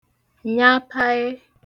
nyapae